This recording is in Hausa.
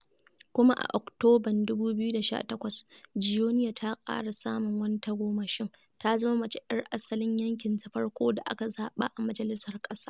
Kuma a Oktoban 2018, Joenia ta ƙara samun wani tagomashin, ta zama mace 'yar asalin yankin ta farko da aka zaɓa a majalisar ƙasa.